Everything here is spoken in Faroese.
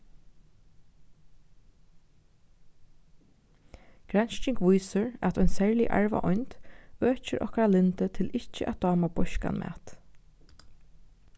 gransking vísir at ein serlig arvaeind økir okkara lyndi til ikki at dáma beiskan mat